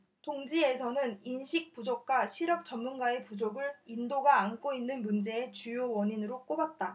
동 지에서는 인식 부족과 시력 전문가의 부족을 인도가 안고 있는 문제의 주요 원인으로 꼽았다